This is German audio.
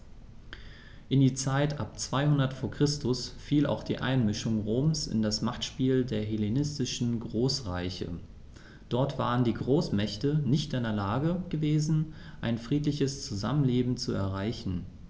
In die Zeit ab 200 v. Chr. fiel auch die Einmischung Roms in das Machtspiel der hellenistischen Großreiche: Dort waren die Großmächte nicht in der Lage gewesen, ein friedliches Zusammenleben zu erreichen.